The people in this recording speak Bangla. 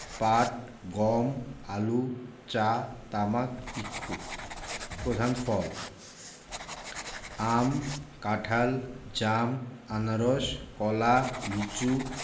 পাট গম আলু চা তামাক ইক্ষু প্রধান ফলঃ আম কাঁঠাল জাম আনারস কলা লিচু